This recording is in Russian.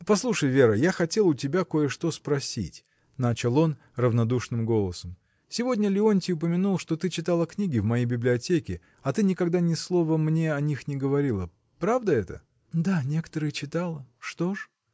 — Послушай, Вера, я хотел у тебя кое-что спросить, — начал он равнодушным голосом, — сегодня Леонтий упомянул, что ты читала книги в моей библиотеке, а ты никогда ни слова мне о них не говорила. Правда это? — Да, некоторые читала. Что ж?